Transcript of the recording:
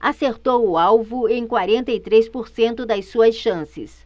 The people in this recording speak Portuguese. acertou o alvo em quarenta e três por cento das suas chances